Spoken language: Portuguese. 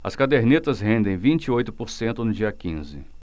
as cadernetas rendem vinte e oito por cento no dia quinze